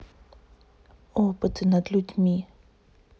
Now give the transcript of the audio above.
опыты над людьми